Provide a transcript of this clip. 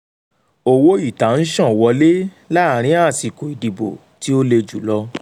Owó ìta ń ṣàn wọlé láàárín àsìkò ìdìbò tí ó le jùlọ